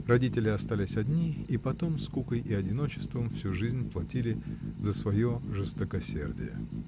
Родители остались одни, и потом, скукой и одиночеством, всю жизнь платили за свое жестокосердие.